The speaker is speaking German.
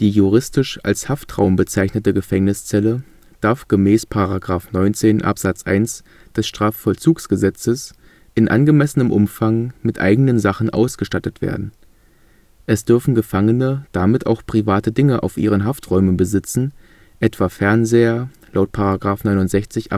juristisch als Haftraum bezeichnete Gefängniszelle darf gemäß § 19 Abs. 1 StVollzG in angemessenem Umfang mit eigenen Sachen ausgestattet werden. Es dürfen Gefangene damit auch private Dinge auf ihren Hafträumen besitzen, etwa Fernseher (§ 69